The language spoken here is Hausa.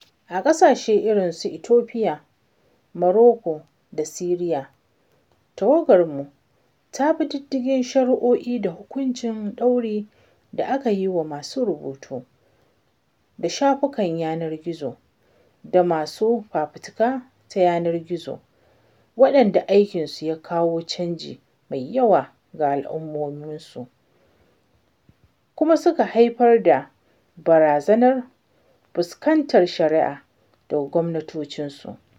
A ƙasashe irin su Itofiya, Moroko, da Siriya, tawagarmu ta bi diddigin shari’o’i da hukuncin ɗaurin da aka yiwa masu rubutu a shafukan yanar gizo da masu fafutuka ta yanar gizo, waɗanda aikinsu ya kawo canji mai yawa ga al’ummominsu kuma suka haifar da barazanar fuskantar shari'a daga gwamnatocinsu.